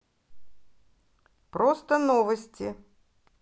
просто новости